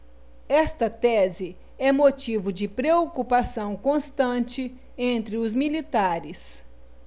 esta tese é motivo de preocupação constante entre os militares